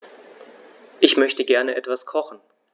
Ich möchte gerne etwas kochen.